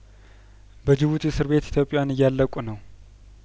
በጅቡቲ እስር ቤት ኢትዮጰያዊያን እያለቁ ነው